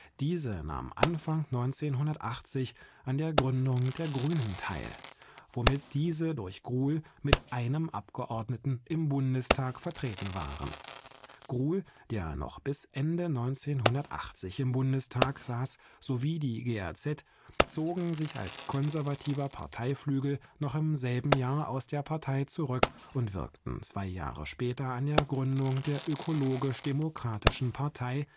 Diese nahm Anfang 1980 an der Gründung der GRÜNEN teil, womit diese durch Gruhl mit einem Abgeordneten im Bundestag vertreten waren. Gruhl, der noch bis Ende 1980 im Bundestag saß sowie die GAZ zogen sich als konservativer Parteiflügel noch im selben Jahr aus der Partei zurück und wirkten zwei Jahre später an der Gründung der Ökologisch-Demokratischen Partei